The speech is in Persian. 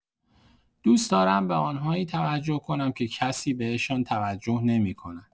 دوست دارم به آن‌هایی توجه کنم که کسی به‌شان توجه نمی‌کند.